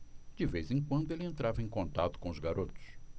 de vez em quando ele entrava em contato com os garotos